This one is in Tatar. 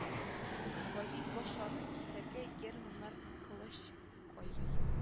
Газиз башларны кисәргә германнар кылыч кайрый